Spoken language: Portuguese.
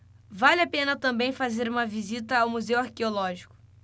vale a pena também fazer uma visita ao museu arqueológico